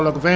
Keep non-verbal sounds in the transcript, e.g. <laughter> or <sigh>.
<hesitation> <hesitation>